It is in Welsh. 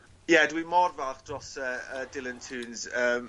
Ie dwi mor falch dros yy yy Dylan Teuns yym